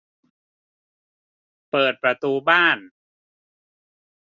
เปิดประตูบ้าน